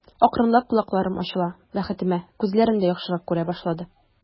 Акрынлап колакларым ачыла, бәхетемә, күзләрем дә яхшырак күрә башлады.